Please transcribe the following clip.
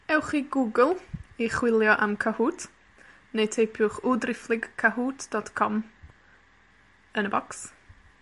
Ewch i Google, i chwilio am Cahoot, neu teipiwch w driphlyg Cahoot dot com yn y bocs.